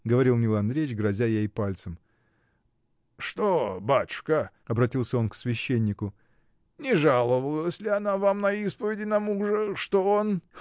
— говорил Нил Андреич, грозя ей пальцем, — что, батюшка, — обратился он к священнику, — не жаловалась ли она вам на исповеди на мужа, что он.